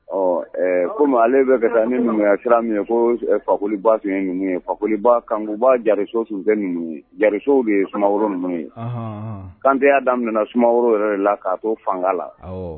Ko ale bɛ fɛ taa ni numuya sira min ye ko fakoliba sunjata ye ninnu ye fako kankuba jariso sunjata numu ye jarisow de ye sumaworo ninnu ye kantɛ y'a daminɛ sumaworo yɛrɛ la k'a to fanga la